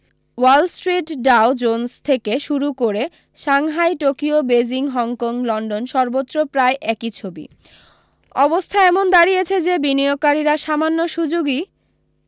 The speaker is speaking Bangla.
ওয়াল স্ট্রীট ডাও জোন্স থেকে শুরু করে Shanghai Tokyo Beijing Hong Kong London সর্বত্র প্রায় একি ছবি অবস্থা এমন দাঁড়িয়েছে যে বিনিয়োগকারীরা সামান্য সু্যোগই